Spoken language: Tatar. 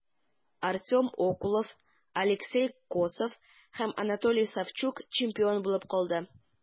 Артем Окулов, Алексей Косов һәм Антоний Савчук чемпион булып калды.